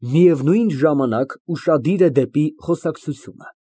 Միևնույն ժամանակ ուշադիր է դեպի խոսակցությունը)։